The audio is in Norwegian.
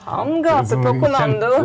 han gaper på kommando.